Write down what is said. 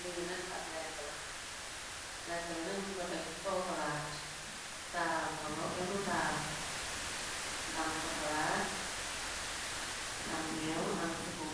Lii nak ab lekk la, lekk bi na ñangoteg ci kow palaat, taaralkalo bemu taaru, am sokala, am méew, am sukur,